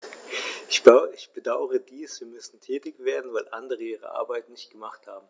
Ich bedauere dies, denn wir müssen tätig werden, weil andere ihre Arbeit nicht gemacht haben.